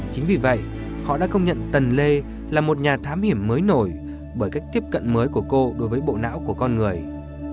chính vì vậy họ đã công nhận tần lê là một nhà thám hiểm mới nổi bởi cách tiếp cận mới của cô đối với bộ não của con người